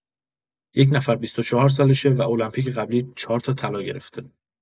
یک نفر ۲۴ سالشه و المپیک قبلی ۴ تا طلا گرفته.